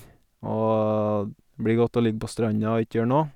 Og d blir godt å ligge på stranda og ikke gjøre noe.